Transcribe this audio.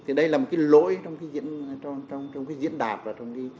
dưới đây là một lỗi trong khi diễn ra trang trọng trong cách diễn đạt và trong cái